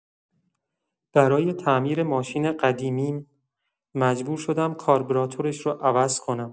برای تعمیر ماشین قدیمیم، مجبور شدم کاربراتورش رو عوض کنم.